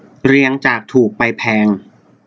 เรียงจากถูกไปแพง